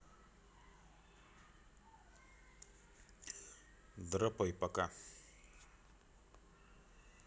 дропай пока